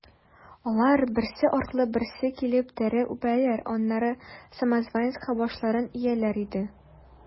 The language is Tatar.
Алар, берсе артлы берсе килеп, тәре үбәләр, аннары самозванецка башларын ияләр иде.